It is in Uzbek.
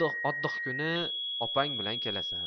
otdix kuni opang bilan kelasan